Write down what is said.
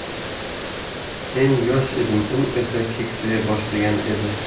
men yosh edim u esa keksaya boshlagan edi